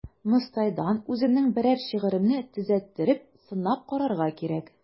Мостайдан үземнең берәр шигыремне төзәттереп сынап карарга кирәк.